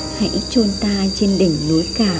hãy chôn ta trên đỉnh núi cả